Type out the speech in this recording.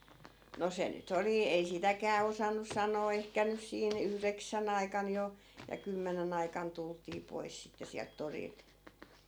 no se nyt oli ei sitäkään osannut sanoa ehkä nyt siinä yhdeksän aikana jo ja kymmenen aikana tultiin pois sitten sieltä torilta